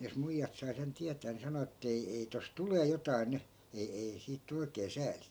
jos muijat sai sen tietää niin sanoi että ei ei tuossa tulee jotakin nyt ei ei siitä tule oikein sääli